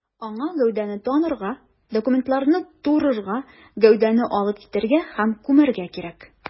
Аңа гәүдәне танырга, документларны турырга, гәүдәне алып китәргә һәм күмәргә кирәк.